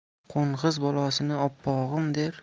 qo'ng'iz bolasini oppog'im der